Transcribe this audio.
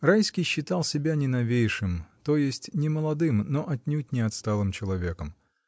Райский считал себя не новейшим, то есть не молодым, но отнюдь не отсталым человеком.